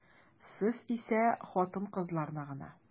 Сез исә хатын-кызларны гына.